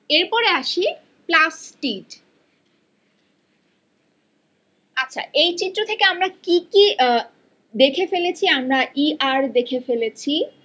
এর পরে আসি প্লাস্টিড আচ্ছা এই চিত্র থেকে আমরা কি কি দেখে ফেলেছি আমরা ই আর দেখে ফেলেছি